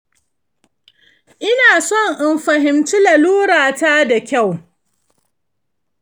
ina son in fahimci lalura ta da kyau.